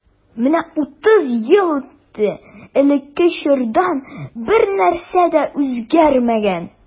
Менә утыз ел үтте, элекке чордан бернәрсә дә үзгәрмәгән.